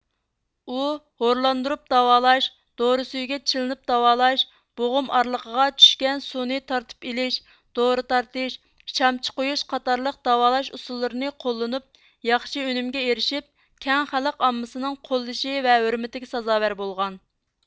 ئۇ ھورلاندۇرۇپ داۋالاش دورا سۈيىگە چىلىنىپ داۋالاش بوغۇم ئارىلىقىغا چۈشكەن سۇنى تارتىپ ئېلىش دورا تارتىش شامچە قويۇش قاتارلىق داۋالاش ئۇسۇللىرىنى قوللىنىپ ياخشى ئۈنۈمگە ئېرىشىپ كەڭ خەلق ئاممىسىنىڭ قوللىشى ۋە ھۆرمىتىگە سازاۋەر بولغان